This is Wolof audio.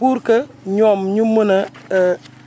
pour que ñoom ñu mën a